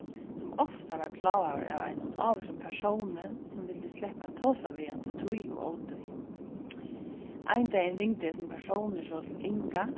sum ofta varð plágaður av einum ávísum persóni sum vildi sleppa at tosa við hann í tíð og ótíð ein dagin ringdi hesin persónur so til inga